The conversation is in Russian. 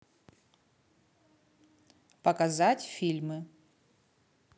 показать фильмы